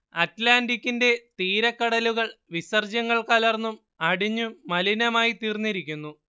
അറ്റ്ലാന്റിക്കിന്റെ തീരക്കടലുകൾ വിസർജ്യങ്ങൾ കലർന്നും അടിഞ്ഞും മലിനമായിത്തീർന്നിരിക്കുന്നു